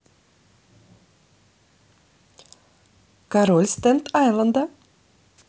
король стент айленда